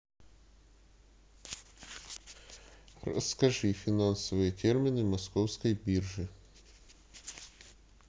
расскажи финансовые термины московской биржи